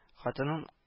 Хатынын